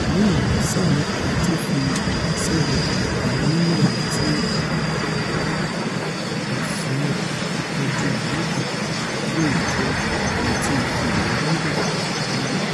Lẹ́yìn àwọn sáà mẹ́ta èyití ó fì sẹ́ẹ̀gbẹ́ kan, àwọn onímẹ́rin ti ọ̀sán ọjọ́ Àbámẹ́ta kàn leè jẹ́ ohun tí Ife-ẹ̀yẹ Ryder yìí nílò.